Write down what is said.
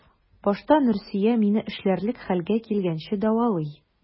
Башта Нурсөя мине эшләрлек хәлгә килгәнче дәвалый.